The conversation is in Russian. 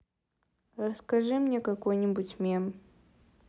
расскажи мне какой нибудь мем